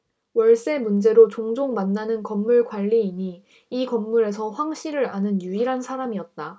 월세 문제로 종종 만나는 건물 관리인이 이 건물에서 황씨를 아는 유일한 사람이었다